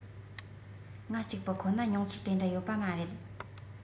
ང གཅིག པུ ཁོ ན མྱོང ཚོར དེ འདྲ ཡོད པ མ རེད